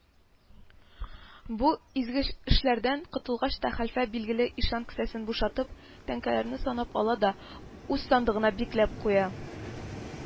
Бу “изге эшләрдән” котылгач та хәлфә, билгеле, ишан кесәсен бушатып, тәңкәләрне санап ала да, үз сандыгына бикләп куя